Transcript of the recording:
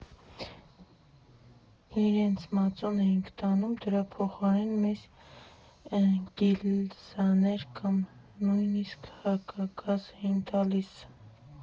Իրենց մածուն էինք տանում, դրա փոխարեն՝ մեզ գիլզաներ կամ նույնիսկ հակագազ էին տալիս։